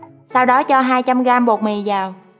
sau đó cho gram bột mì vào